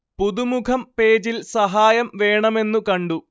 പുതുമുഖം പേജിൽ സഹായം വേണമെന്നു കണ്ടു